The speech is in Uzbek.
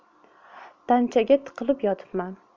tanchaga tiqilib yotibman